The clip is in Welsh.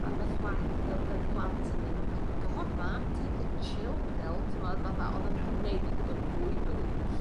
ambell waith o'dd y plant yn myn' oh my god mam take a chill pill t'mod fatha o'dd yn neud i di dod fwy blin